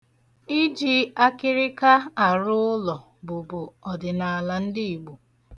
Iji akịrịka arụ ụlọ bụbu ọdịnaala ndị Igbo.